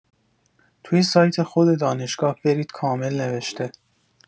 توی سایت خود دانشگاه برید کامل نوشته